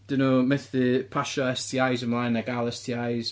'Dyn nhw methu pasio STIs ymlaen neu gael STIs.